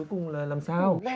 cùng là làm sao